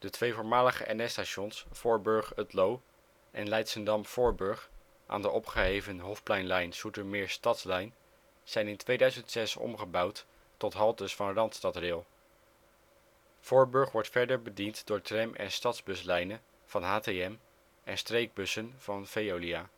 twee voormalige NS-stations Voorburg ' t Loo en Leidschendam-Voorburg aan de opgeheven Hofpleinlijn/Zoetermeer Stadslijn, zijn in 2006 omgebouwd tot haltes van RandstadRail. Voorburg wordt verder bediend door tram - en stadsbuslijnen van HTM en streekbussen van Veolia